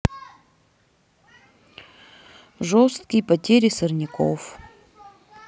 жесткий потери сорняков